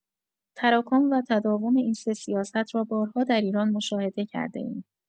تکرار و تداوم این سه سیاست را بارها در ایران مشاهده کرده‌ایم.